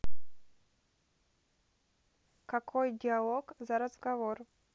какой диалог за разговор